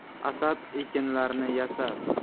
asad ekinlarni yasat